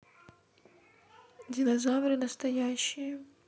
динозавры настоящие